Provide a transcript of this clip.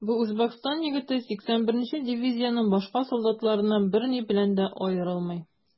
Бу Үзбәкстан егете 81 нче дивизиянең башка солдатларыннан берни белән дә аерылмый.